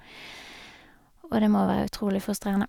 Og det må være utrolig frustrerende.